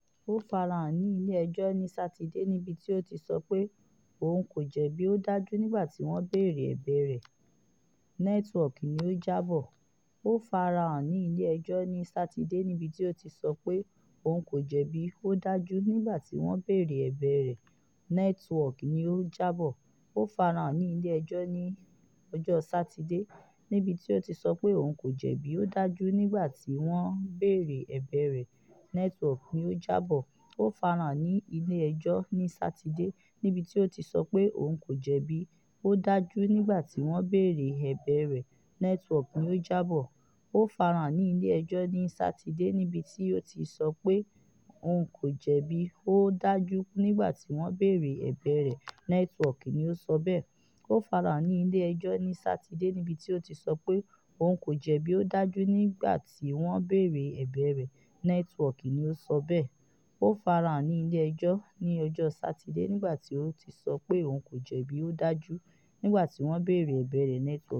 Ó farahàn ní ilé- ẹjọ́ ní Sátidé, níbi tí ó ti sọ pé "n kò jẹ̀bi,ó dájú" nígbà tí wọn bèèrè ẹ̀bẹ̀ rẹ, network ni ó jábọ̀